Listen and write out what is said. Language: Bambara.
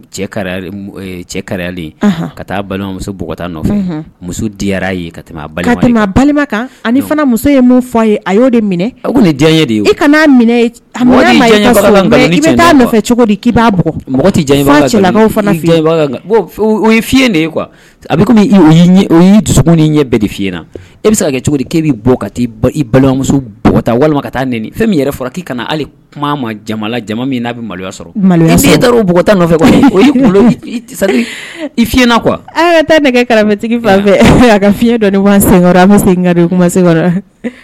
Ka taa balimamuso nɔfɛ muso diyarayarara ye balima kan muso ye min fɔ a ye a y'o de minɛ nin diya de ye i cogo o fiɲɛyɛn ye a dusu ni ɲɛ bɛɛ fiɲɛ na e bɛ se ka kɛ cogo k'i bɛ bɔ ka taa balimamuso walima ka taa n fɛn yɛrɛ k'i kana hali kuma ma jama jama min n'a bɛ maloya sɔrɔ b nɔfɛ i fi kuwa tɛ nɛgɛ karatigi fan fɛ fiɲɛyɛn bɛ kuma